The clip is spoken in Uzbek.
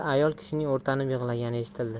ayol kishining o'rtanib yig'lagani eshitildi